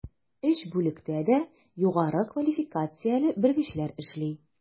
Өч бүлектә дә югары квалификацияле белгечләр эшли.